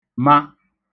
ma